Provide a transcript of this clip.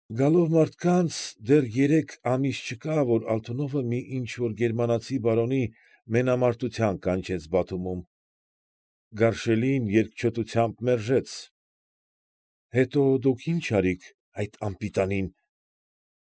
Գալով մարդկանց, դեռ երեք ամիս չկա, որ Ալթունովը մի ինչ֊որ գերմանացի բարոնի մենամարտության կանչեց Բաթումում։ «Գարշելին» երկչոտությամբ մերժեց։ ֊ Հետո դուք ի՞նչ արիք այդ անպիտանին,֊